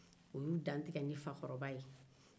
u y'u dantigɛ ni fa kɔrɔba ye